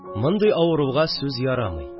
Мондый авыруга сүз ярамый